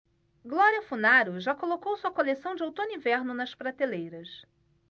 glória funaro já colocou sua coleção de outono-inverno nas prateleiras